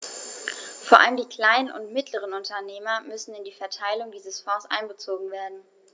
Vor allem die kleinen und mittleren Unternehmer müssen in die Verteilung dieser Fonds einbezogen werden.